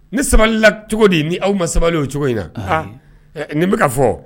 Ne sabali la cogo di ni aw ma sabali o cogo in na nin bɛka ka fɔ